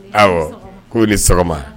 Ɔwɔ ko ni sɔgɔma